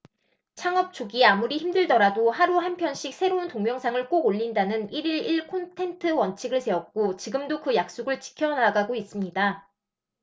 창업 초기 아무리 힘들더라도 하루 한 편씩 새로운 동영상을 꼭 올린다는 일 일 일 콘텐트 원칙을 세웠고 지금도 그 약속을 지켜나가고 있습니다